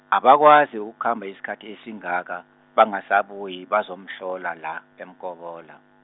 abakwazi ukukhamba isikhathi esingaka, bangasabuyi bazomhlola la, eMkobola.